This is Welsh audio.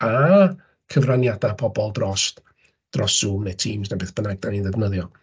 A cyfraniadau pobl drost dros Zoom neu Teams, neu beth bynnag dan ni'n ddefnyddio.